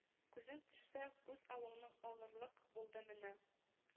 Күзең төшсә күз явыңны алырлык булды менә